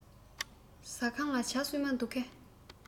ཟ ཁང ལ ཇ སྲུབས མ འདུག གས